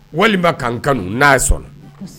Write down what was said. Walima ka n kanu n'a sɔnna